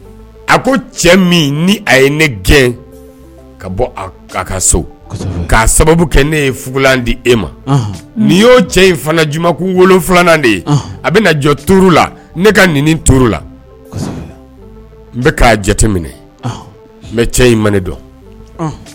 A ko cɛ min ni ye ne gɛn ka ka so'a sababu kɛ ne yeugulan di e ma nii y'o cɛ in fana juma' wolo filanan de ye a bɛ na jɔ t la ne ka nin t la n k'a jate minɛ n bɛ cɛ in man dɔn